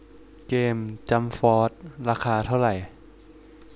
เกมจั้มฟอสราคาเท่าไหร่